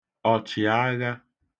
ọ̀chị̀agha